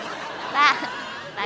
ba